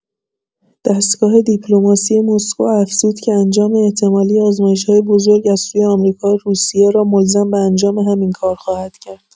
دستگاه دیپلماسی مسکو افزود که انجام احتمالی «آزمایش‌های بزرگ» از سوی آمریکا روسیه را «ملزم به انجام همین کار خواهد کرد».